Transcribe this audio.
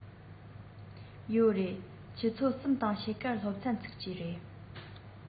ཡོད རེད ཆུ ཚོད གསུམ དང ཕྱེད ཀར སློབ ཚན ཚུགས ཀྱི རེད